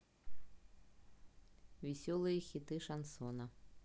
веселые хиты шансона